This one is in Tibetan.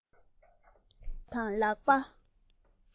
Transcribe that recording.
དཔེ ཆ ཁ བརྒྱབ པ དང ལག པ